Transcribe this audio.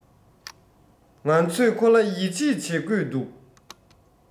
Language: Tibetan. ང ཚོས ཁོ ལ ཡིད ཆེད བྱེད དགོས འདུག